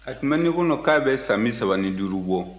a tun bɛ ne kɔnɔ k'a bɛ san bi saba ni duuru bɔ